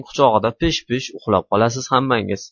quchog'ida pish pish uxlab qolasiz hammangiz